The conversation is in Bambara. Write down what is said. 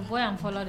Bɔ yan fɔlɔ dɛ.